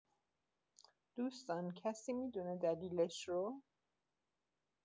دوستان کسی می‌دونه دلیلش رو؟